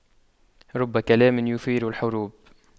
رب كلام يثير الحروب